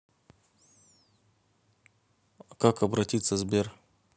а как обратиться сбер